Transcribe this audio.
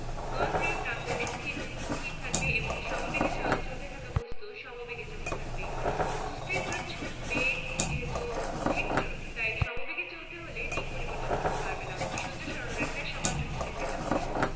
বল প্রয়োগ না করলে স্থির বস্তু স্থির থাকবে এবং সমেবেগে ছ চলতে থাকা বস্তু সমেবেগে চলতে থাকবে বুঝতেই পারছ বেগ যেহেতু ভেক্টর তাই সমবেগে চলতে হলে দিক পরিবর্তন করতে পারবে না সোজা সরল রেখায় সমান দ্রুতিতে যেতে হবে